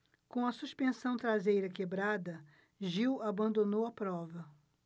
com a suspensão traseira quebrada gil abandonou a prova